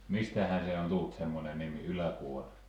mistähän se on tullut semmoinen nimi Ylä-Kuona